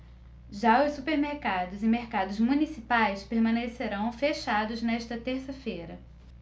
já os supermercados e mercados municipais permanecerão fechados nesta terça-feira